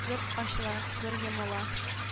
Бер ачыла, бер йомыла